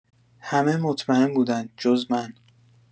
همه مطمئن بودن؛ جز من.